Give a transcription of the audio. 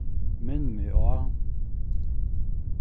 minn meg á